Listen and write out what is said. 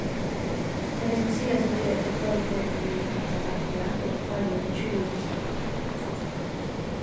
tey sum siga seg gera hetta fleiri ferðir um vikuna ella dagliga eru færri enn tjúgu prosent